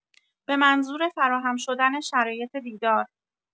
به منظور فراهم شدن شرایط دیدار